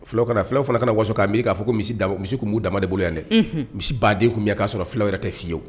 Fula kana fulaw fana kana na waso'a miri k'a fɔ misi tun' damaba de bolo yan dɛ misi baden tun k'a sɔrɔ fula wɛrɛ yɛrɛ tɛ fi'yewu